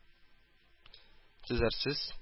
Төзәрсез